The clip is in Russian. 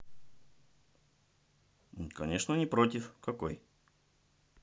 конечно не против какой